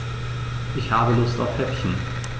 Ich habe Lust auf Häppchen.